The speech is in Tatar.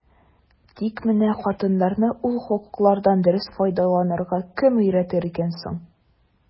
Тик менә хатыннарны ул хокуклардан дөрес файдаланырга кем өйрәтер икән соң?